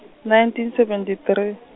nineteen seventy three.